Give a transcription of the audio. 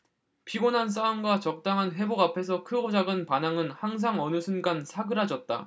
피곤한 싸움과 적당한 회복 앞에서 크고 작은 반항은 항상 어느 순간 사그라졌다